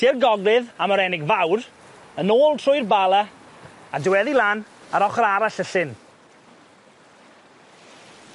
tua'r gogledd am Yr Enig Fawr, yn ôl trwy'r bala, a diweddu lan ar ochor arall y llyn.